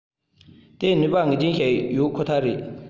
དེ ནུས པ ངེས ཅན ཞིག ཡོད ཁོ ཐག རེད